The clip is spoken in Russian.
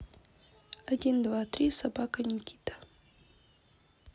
один два три собака никита